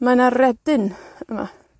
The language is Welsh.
mae 'na redyn yma.